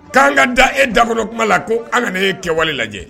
K'an ka da e dakɔnɔ kuma la ko an kana e kɛwale lajɛ